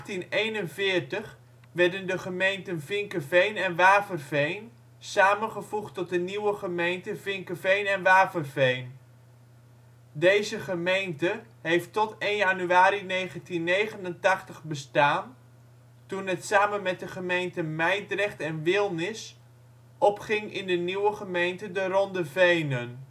In 1841 werden de gemeenten Vinkeveen en Waverveen samengevoegd tot de nieuwe gemeente Vinkeveen en Waverveen. Deze gemeente heeft tot 1 januari 1989 bestaan toen het samen met de gemeenten Mijdrecht en Wilnis opging in de nieuwe gemeente De Ronde Venen